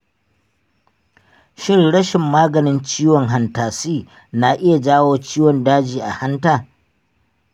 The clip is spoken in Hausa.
shin rashin maganin ciwon hanta c na iya jawo ciwon daji a hanta?